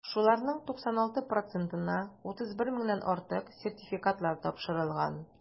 Шуларның 96 процентына (31 меңнән артык) сертификатлар тапшырылган.